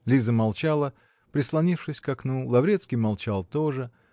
Лиза молчала, прислонившись к окну Лаврецкий молчал тоже